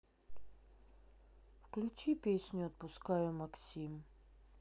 включи песню отпускаю максим